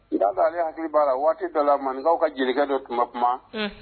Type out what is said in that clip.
'a ale hakili'a la waati dɔ la maninkaw ka jelikɛ dɔ tuma kuma